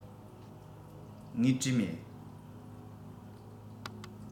ངས བྲིས མེད